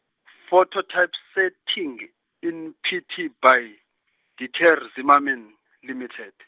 phototypesetting in P T by Dieter Zimmermann Limited.